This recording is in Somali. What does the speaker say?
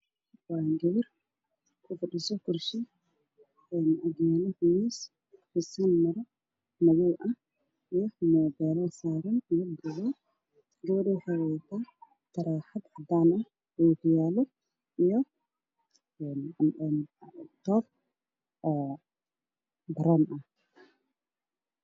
Waa gabar kufadhiso kursi waxaa agyaalo miis madow ah waxaa saaran muubeelo iyo baagag. Gabadhu waxay wadataa taraaxad cadaan ah iyo ookiyaalo iyo toob baroon ah.